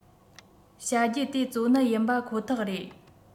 བྱ རྒྱུ དེ གཙོ གནད ཡིན པ ཁོ ཐག རེད